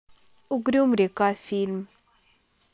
угрюм река фильм